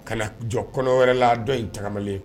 Ka na jɔ kɔnɔ wɛrɛ la dɔ in tagmalen.